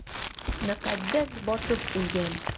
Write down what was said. Мөкаддәс батып үлгән!